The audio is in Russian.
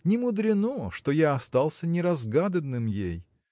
немудрено, что я остался не разгаданным ей.